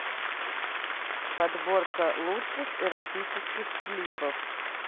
подборка лучших эротических клипов